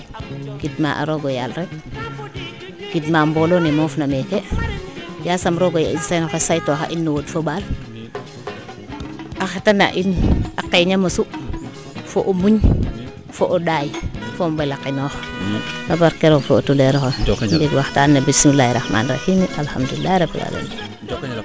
in gidma a rooga yaal rek gidma mboolo ne moof na meeke yasam rooga y'in Sene a say tooxa in no wod fo o mbaal a xeta na in a qeeña mosu fo o muñ fo o ɗaay fo o mbelakinooxno barke roog fo o tuleer oxe i ndeg no waxtaan le no bismila rakhmani rakhim alkhadoulila rabil alamin